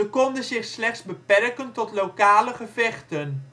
konden zich slechts beperken tot lokale gevechten